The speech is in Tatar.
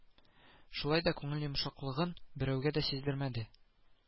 Шулай да күңел йомшаклыгын берәүгә дә сиздермәде